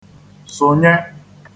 sụ̀nye